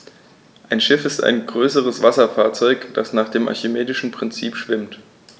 Ein Schiff ist ein größeres Wasserfahrzeug, das nach dem archimedischen Prinzip schwimmt.